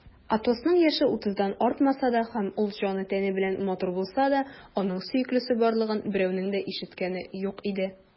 Атосның яше утыздан артмаса да һәм ул җаны-тәне белән матур булса да, аның сөеклесе барлыгын берәүнең дә ишеткәне юк иде.